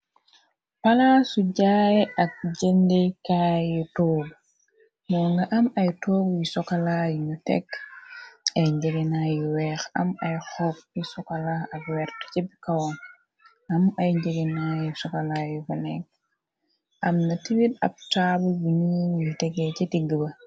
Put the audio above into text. palaa su jaaye ak jëndekaayyu toob moo nga am ay toog yu sokala yunu tekg ay njëginaa yu weex am ay xoop bi sokalaa ak wert ci bikawon am ay njëginaa yu sokalaa yu benekk am na tirit ab taabl buñu wuy tegee ci digg ba